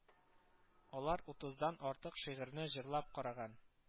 Алар утыздан артык шигырьне җырлап караган